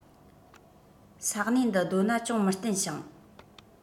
ས གནས འདི རྡོ ན ཅུང མི བརྟན ཞིང